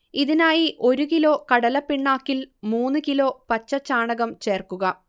ഇതിനായി ഒരു കിലോ കടലപ്പിണ്ണാക്കിൽ മൂന്ന് കിലോ പച്ചച്ചാണകം ചേർക്കുക